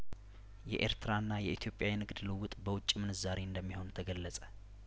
የኤርትራና የኢትዮጵያ የንግድ ልውውጥ በውጭ ምንዛሬ እንደሚሆን ተገለጸ